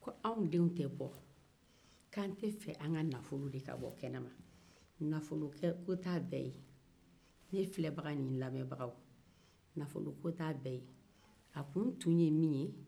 ko an tɛ fɛ an ka nafolo de ka bɔ kɛnɛma nafolo kɛ-ko tɛ a bɛ ye ne filɛbaga ni ne lamɛnbagaw nafolo ko tɛ a bɛ ye a kun tun ye min ye